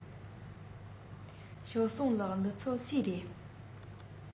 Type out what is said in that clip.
ཞའོ སུང ལགས འདི ཚོ སུའི རེད